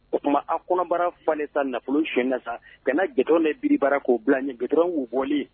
O tuma a kɔnɔbara fanlen sisan nafolo sonyali la sa ka na goudron de biribara k'o bila an ɲɛ goudron wo bɔlen